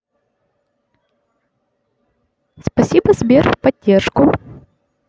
спасибо сбер в поддержку